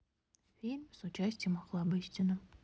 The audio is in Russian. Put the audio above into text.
фильм с участием охлобыстина